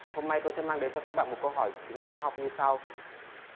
hôm nay tôi sẽ mang đến cho các bạn một câu hỏi thí nghiệm hóa học như sau